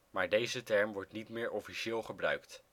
maar deze term wordt niet meer officieel gebruikt